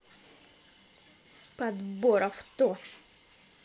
подбор авто